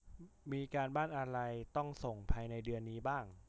มีการบ้านอะไรต้องส่งภายในเดือนนี้บ้าง